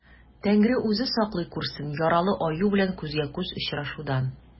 Тәңре үзе саклый күрсен яралы аю белән күзгә-күз очрашудан.